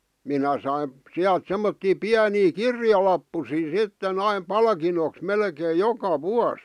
minä sain sieltä semmoisia pieniä kirjalappusia sitten aina palkinnoksi melkein joka vuosi